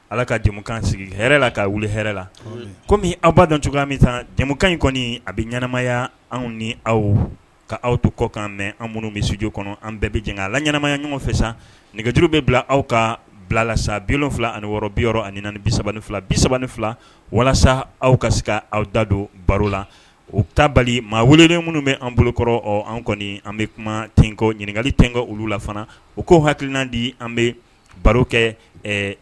Ala kakan sigi la wuli la ko aw ba dɔn cogoya min tankan in kɔni a bɛ ɲɛnaɛnɛmaya anw ni aw ka aw to kɔkan mɛn an minnu bɛ suju kɔnɔ an bɛɛ bɛ jan a la ɲɛnaanamaya ɲɔgɔn fɛ san nɛgɛjuru bɛ bila aw ka bilala sa bifila fila ani wɔɔrɔ bi yɔrɔ ani bi3 fila bi3 fila walasa aw ka se ka aw da don baro la o ta bali maa welelen minnu bɛan bolokɔrɔ anw kɔni an bɛ kuma tenko ɲininkali tkɛ olu la fana u koo hakilikilnan di an bɛ baro kɛ